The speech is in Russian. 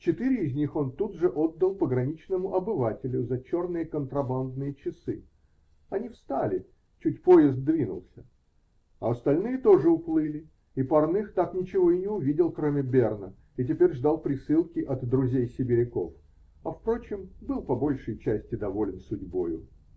Четыре из них он тут же отдал пограничному обывателю за черные контрабандные часы (они стали, чуть поезд двинулся), а остальные тоже уплыли, и Парных так ничего и не увидел, кроме Берна, и теперь ждал присылки от друзей-сибиряков, а впрочем, был по большей части доволен судьбою.